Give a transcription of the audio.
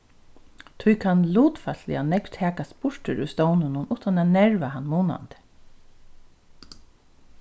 tí kann lutfalsliga nógv takast burtur úr stovninum uttan at nerva hann munandi